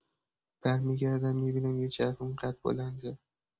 برمی‌گردم می‌بینم یه جوون قدبلنده.